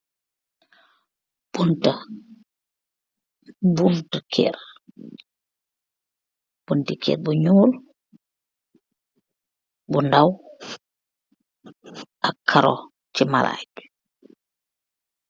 bontu keer bu njul